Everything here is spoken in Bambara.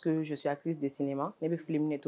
Suyasi de sen ne ma ne bɛ fili minɛ to